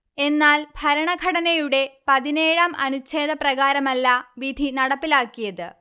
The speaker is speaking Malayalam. എന്നാൽ ഭരണഘടനയുടെ പതിനേഴാം അനുഛേദപ്രകാരമല്ല വിധി നടപ്പിലാക്കിയത്